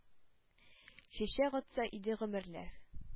Чәчәк атса иде гомерләр.